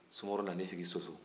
sumaworo nan'i sigi soso